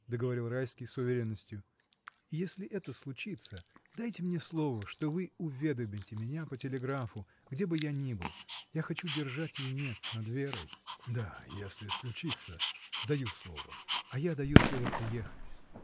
— договорил Райский с уверенностью, — и если это случится, дайте мне слово, что вы уведомите меня по телеграфу, где бы я ни был: я хочу держать венец над Верой. — Да, если случится. даю слово. — А я даю слово приехать.